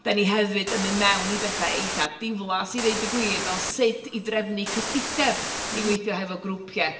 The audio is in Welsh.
Dan ni hefyd yn mynd mewn i betha eithaf diflas i ddweud y gwir fel sut i drefnu cyllideb i weithio hefo grŵpiau.